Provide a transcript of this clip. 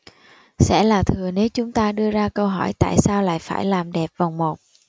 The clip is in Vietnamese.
sẽ là thừa nếu chúng ta đưa ra câu hỏi tại sao lại phải làm đẹp vòng một